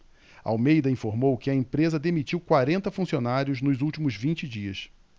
almeida informou que a empresa demitiu quarenta funcionários nos últimos vinte dias